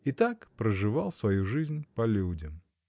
И так проживал свою жизнь по людям.